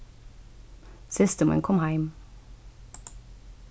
systir mín kom heim